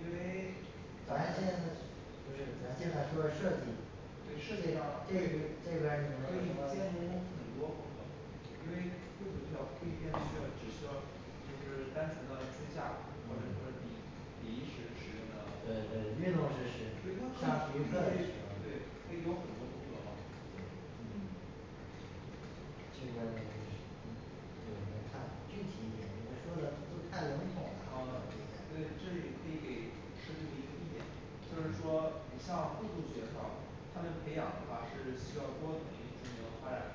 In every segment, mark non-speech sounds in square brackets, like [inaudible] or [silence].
因为咱现在就是咱现在除了设计就是设计上对这边儿有没有什么嗯因为贵族学校可以跟那些比如说就是单纯的评价比如说对对运动式式上体育课嘞嗯你这边儿可以怎么看具体一点你们说的都太笼统了啊啊这里也可以给设计意见就是说你像贵族学校他们培养的话是需要多层信息的关爱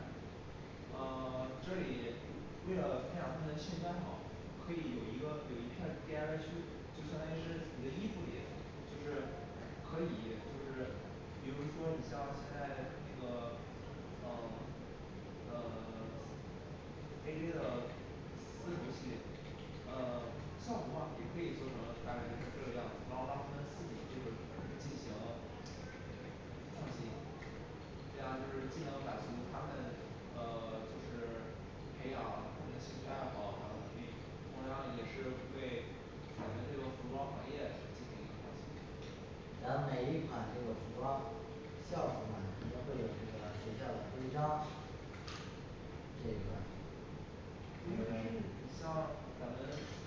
啊这里为了培养他们的兴趣爱好可以有一个有一片天就就相当于是你的衣服里就是可以就是比如说你像在那个嗯嗯 [silence] 黑黑的贵族去嗯上不上去也可以做成还有这个项目包装这个同时进行这样就是既能满足他们嗯就是培养兴趣爱好和能力同样也是为我们这个服装行业嗯咱每一款这个服装校服嘛肯定会有一个学校的徽章这一块儿嗯应该你是有像咱们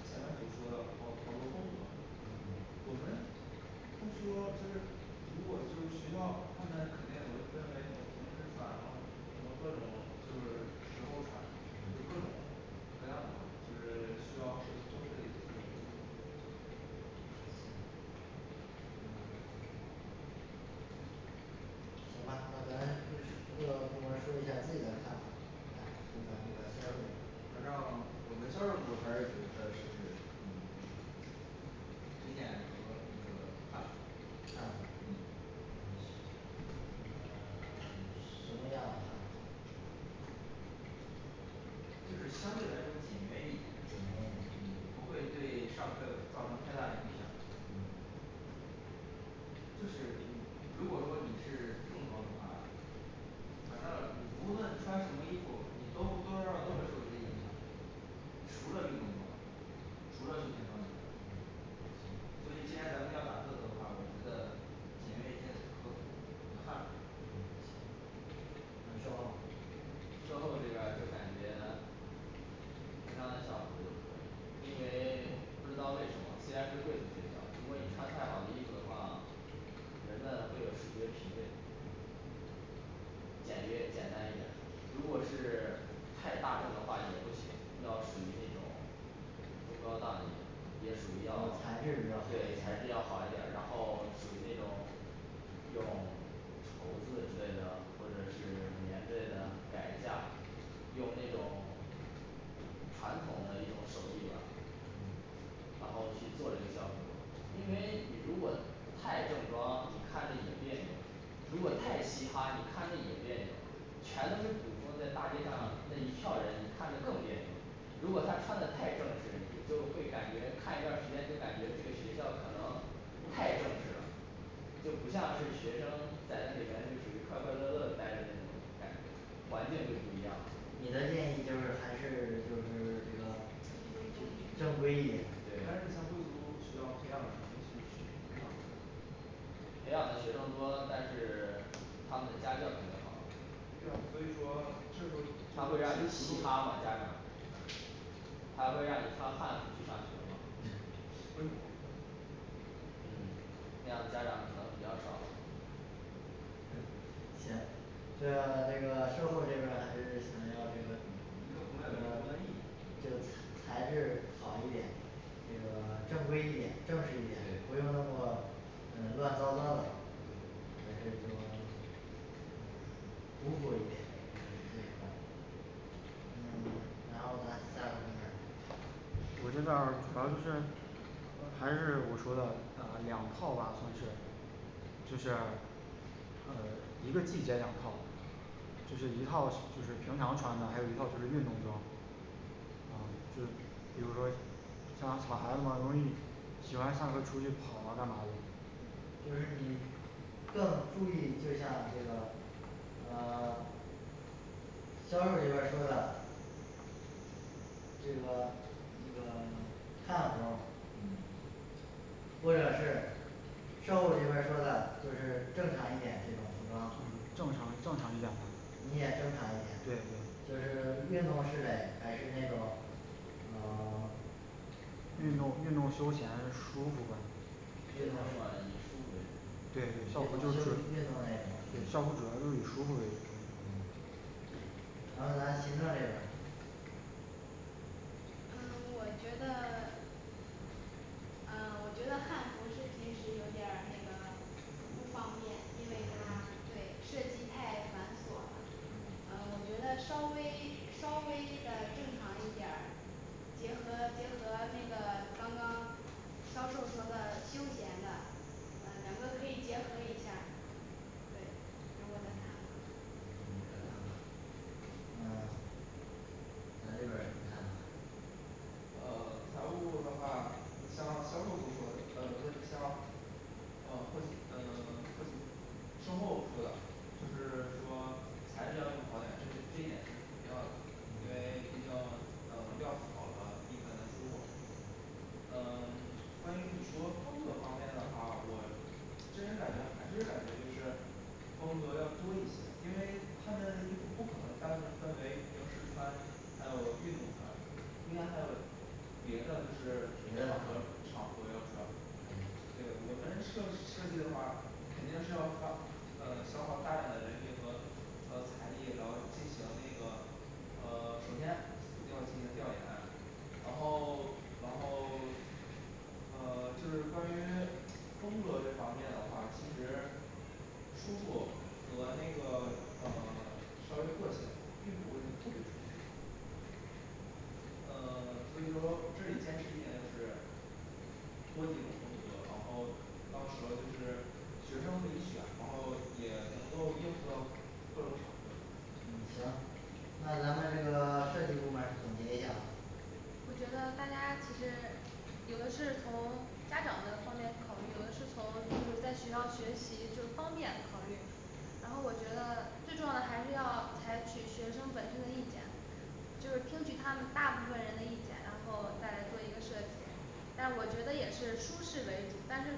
前面所说的某一个风格我们听说就是如果就是学校刚才肯定有个氛围就是想讨论我就是希望市里组织也可以行吧那咱各是各部门儿说一下自己看法来从咱这个销售这边儿反正我们销售部还是觉得是推荐和那汉个汉服服嗯是嗯 [silence] 什么样的汉服就是相对来说简约一简约点一点嗯不会对上课造成太大影响嗯就是你如果说你是正装的话反正你不论穿什么衣服你都都都会受一些影响除了运动装除了休闲装以外所以既然咱们要打特色的话，我觉得简约一些的和服，汉服是不错的行嗯售后售后这边就感觉平常的校服就可以因为不知道为什么虽然是贵族学校如果你穿太好的衣服的话人们会有视觉疲惫简约简单一点儿如果是太大众的话也不行要属于那种中高档一点儿也属于要对材材质质要要好好一点儿然后属于那种用绸子之类的或者是绵之类的改一下儿用那种传统的一种手艺吧然后去做这个项目儿因为你如果太正装你看着也别扭如果太嘻哈你看着也别扭全都是古风在大街上那一票人你看着更别扭如果他穿的太正式你就会感觉看一段儿时间就感觉这个学校可能太正式了就不像是学生在那里面就属于快快乐乐的待的那种感觉环境就不一样你的建议就是还是就是这个正正规一点规一点但是你看贵对族学校培养的那些学生培养的学生多但是 [silence] 他们的家教肯定对啊所以好说这种他会让你嘻哈吗家长他会让你穿汉服去上学吗嗯那样儿的家长可能比较少对对嗯行这这个售后这边儿还是想要这个一个部门有一嗯个部门的意就见材质好一点那个正规一点正式一点不用那么嗯乱糟糟的还是就嗯 [silence] 古朴一点这一块儿嗯然后咱下个部门儿我这边儿主要就是还是我说的呃两套吧算是就像嗯一个季节两套就是一套是 [unintelligible] 就是平常穿的还有一套是运动装嗯就比如说像小孩子很容易喜欢上课出去跑啊干嘛的就是你更注意这下这个啊 [silence] 销售这边儿说的这个这个汉服儿嗯或者是售后这边儿说的就是正常一点这种服嗯正常正装常一点你也正常一对点就对是运动式嘞还是那种嗯 [silence] 运动运动休闲舒服吧学生要以舒服为对对主嗯校服儿就是运动类的校服主嗯要就是以舒服为主然后大家先转一转嗯我觉得嗯 [silence] 我觉得汉服是平时有点儿那个不方便因为它嗯对设计太繁琐了啊我嗯觉得稍微稍微的正常一点儿结合结合那个刚刚销售说的休闲的嗯两个可以结合一下儿对这是我的看法啊咱这边儿有什么看法啊财务部的话你像销售部说的呃不是你像啊后勤呃 [silence] 后勤售后说的就是说材质要用好点这这一点是肯定要的因为嗯毕竟嗯料子好了你才能出货嗯嗯 [silence] 关于你说风格方面的话我真实感觉还是感觉就是风格要多一些因为他们不可能单独分为平时穿还有运动穿应该还有别的就是别的对课对我们设设计的话肯定是要把嗯消耗大量的那个呃财力然后进行那个嗯时间要进行调研然后然后啊就是关于工作这方面的话其实舒服和那个嗯稍微过一下儿因为嗯 [silence] 所以说这几天实际上就是多几种风格然后到时候就是学生们自己选然后也能够应付到各种程度嗯行那咱们这个设计部门儿总结一下儿吧我觉得大家其实有的是从家长的方面考虑有的是从自己在学校学习就是方便考虑然后我觉得最重要的还是要采取学生本身的意见就是听取他们大部分人的意见然后再来做一个设计但是我觉得也是舒适为主但是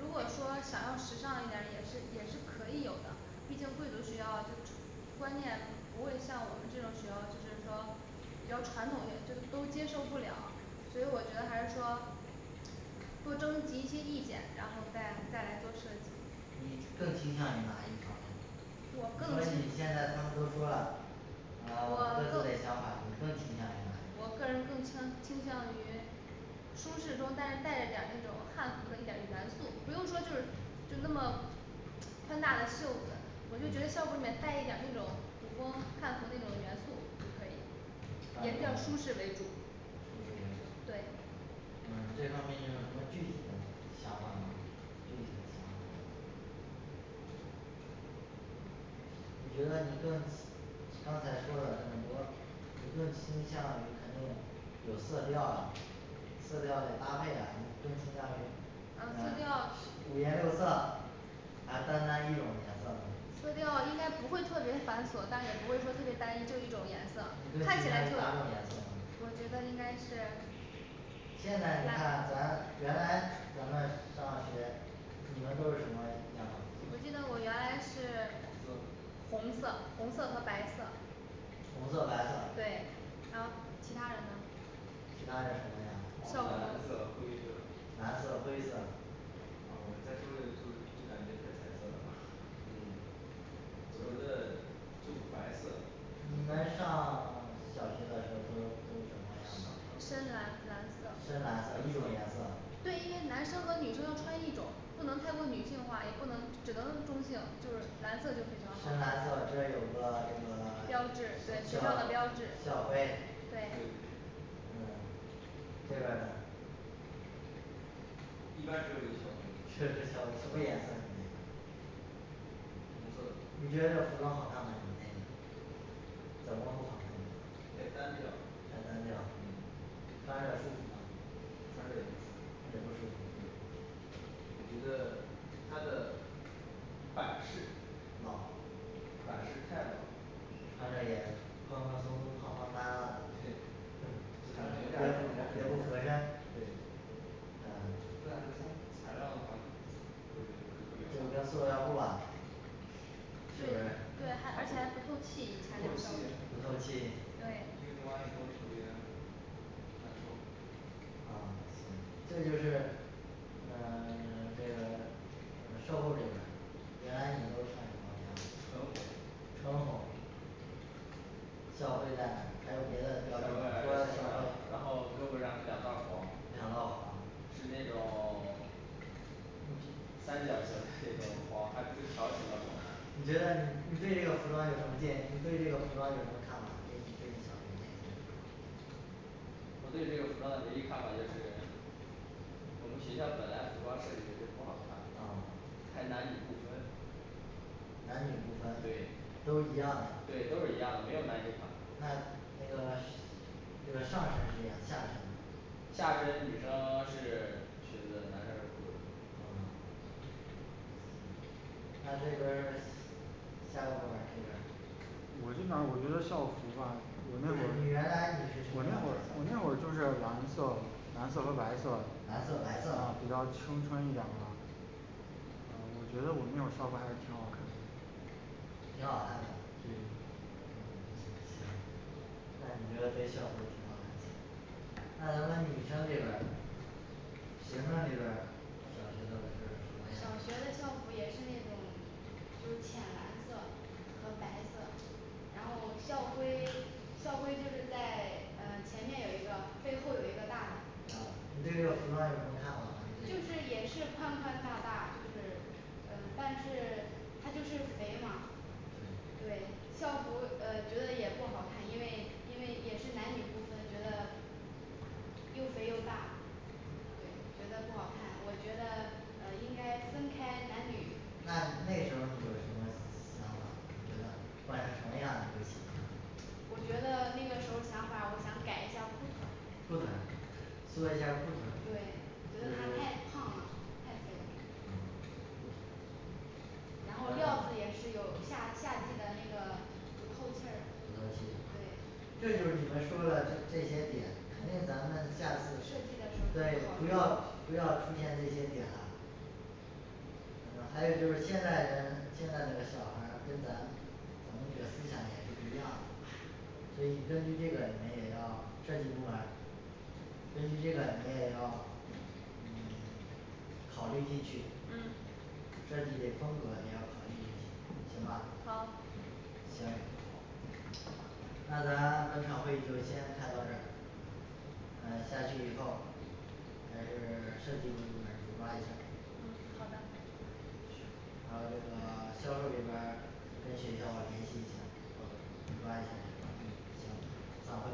如果说想要时尚一点儿也是也是也是可以有的毕竟贵族学校就是 [unintelligible] 观念不会像我们这种学校就是说比较传统型就都接受不了所以我觉得还是说多征集一些意见然后再再来做设计你更倾向于哪一个方面你我更我更说你现在他们都说啦啊 [silence] 说自己的想法你更倾向于哪我个人更倾倾向于舒适中但是带着点儿那种汉服的一点儿元素不用说就是就那么宽大的袖子我就觉得校服里面带一点儿那种古风汉服那种元素就可以啊沿汉着服舒舒适适为为主主对嗯这方面有什么具体的想法吗具体的想法有吗你觉得你更刚才说了这么多你更倾向于肯定有色调儿啊色调的搭配啊你更倾向于啊色啊五调颜六色还是单单一种颜色色调应该不会特别繁琐但是也不会说特别单一就一种颜色看起来就我觉得应该是现在你看咱原来咱们上学你们都是什么样的我记得服我原来是红装色红红色色和白白色色对然后其其他他人人什么样呢校蓝嘞服色灰色蓝色灰色啊我还是就感觉深颜色吧嗯 [silence] 我觉得就白色就是这个你们上小学的时候都都怎么样颜色深深蓝蓝蓝色色五种颜色对因男生和女生要穿一种不能太过女性化也不能只能中性就蓝色就非常深好蓝色这有个标这志个对学校的校标志校徽对嗯现在一般是设计一条什么颜色的红色怎么太单调嗯你觉得这服装好看吗你那怎个么太单调穿着舒穿着也行服对吗也不舒我觉服得老它的穿着板也式宽宽松板式松太胖老胖大大的反正对就感觉不合身对嗯说那一种材料的话就是就跟塑料布啊这边对还 [unintelligible] 而且儿还不不透透气气以前那个校服对最重要以后就是啊对这就是嗯 [silence] 这个嗯售后这边儿原来你们都穿什么纯红纯红缴费站还有别的对对两道对儿红呃然后胳膊上是两道儿红是那种三儿角形儿 [noise] 的那种黄还不是条形的红你觉得你对这个服装有什么建议你对这个服装有什么看法你可以可以想想我对这个服装的唯一看法就是我们学校本来服装设计的就不好看啊还男女不分男女不分对都是一样的对都是一样的没有男女款那下身那女个上身是这个下身是生是裙子男生是裤子啊那这边儿销售部门这边儿我这边儿我觉得校服吧我那会儿你原来你是我那会儿啥我那会儿就是蓝色蓝色和白色蓝色白色啊比较青春一点儿吧嗯我觉得我那会校服还挺好看的挺好看的对感觉黑校服就挺好看的啊那咱们女生这边儿学生这边儿小学生的是什小学么呀的校服也是那种就是浅蓝色和白色然后校徽校徽就是在嗯前面有一个背后有一个大的啊你对于这个服装有什么看法你就对这是个也肥是宽宽大大就是嗯但是它就是肥嘛对校服嗯觉得也不好看因为因为也是男女不分觉得又肥又大呃觉得不好看我觉得嗯应该分开男女那那时候儿有什么想法你觉得换成什么样的我觉得那个时候想法我想改一下儿裤裤腿腿儿儿做一对下儿裤腿儿觉嗯得它太胖了太肥了然后料子也嗯是有夏夏季的那个不透气儿不对透气这就是你们说的就这些点肯定咱们下次设计的时对不候他要考虑不要出现这些点儿啊嗯 [silence] 还有就是现在人现在这个小孩儿跟咱咱们这个思想也是不一样了，所以根据这个你们也要设计部门儿根据这个你也要嗯考虑进去嗯设计嘞风格也要考虑进去行吧好行那咱本场会就先开到这儿嗯下去以后还是设计的部门儿主抓一下儿嗯好的还有这个销售这边儿跟学校联系一下儿主抓嗯一下儿这个行嗯行散会